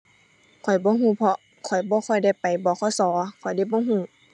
ข้อยบ่รู้ เพราะข้อยบ่ค่อยได้ไป บขส. ข้อยเลยบ่รู้